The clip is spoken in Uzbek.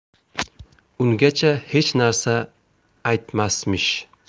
ungacha hech narsa aytmasmish